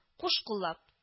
Куш куллап